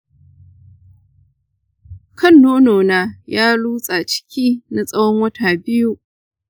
kan nono na ya lusa ciki na tsawon wata biyu.